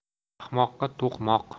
ahmoqqa to'qmoq